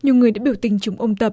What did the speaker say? nhiều người biểu tình chống ông tập